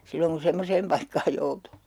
silloin kun semmoiseen paikkaan joutuu